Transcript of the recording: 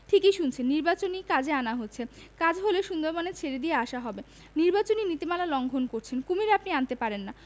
ঠিকই শুনেছেন নির্বাচনী কাজে আনা হচ্ছে কাজ হলে সুন্দরবনে ছেড়ে দিয়ে আসা হবে নিবাচনী নীতিমালা লংঘন করছেন কুমীর আপনি আনতে পারেন না